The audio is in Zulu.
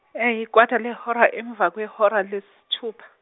e- yikwata lehora emva kwehora lesithupha.